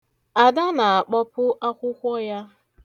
Ada na-akpọpu akwụkwọ ya.